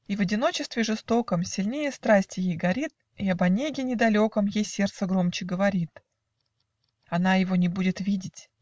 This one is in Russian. И в одиночестве жестоком Сильнее страсть ее горит, И об Онегине далеком Ей сердце громче говорит. Она его не будет видеть